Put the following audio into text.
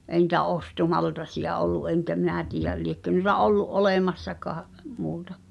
ei niitä ostomaltaita ollut enkä minä tiedä liekö noita ollut olemassakaan muuta